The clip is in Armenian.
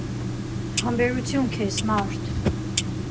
Համբերություն քեզ, մա՛րդ։